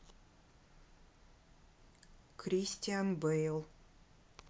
кристиан бейл